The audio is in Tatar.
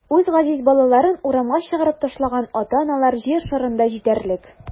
Үз газиз балаларын урамга чыгарып ташлаган ата-аналар җир шарында җитәрлек.